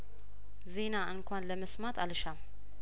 ዜና እንኳን ለመስማት አልሻም